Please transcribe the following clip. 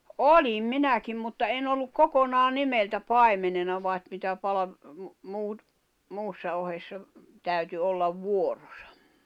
olin minäkin mutta en ollut kokonaan nimeltä paimenena vaan mitä - muut muussa ohessa täytyi olla vuoronsa